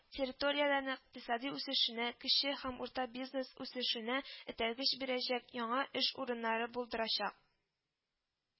Территорияләрне икътисади үсешенә, кече һәм урта бизнес үсешенә этәргеч бирәчәк, яңа эш урыннары булдырачак